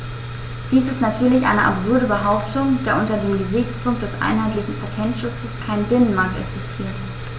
Dies ist natürlich eine absurde Behauptung, da unter dem Gesichtspunkt des einheitlichen Patentschutzes kein Binnenmarkt existiert.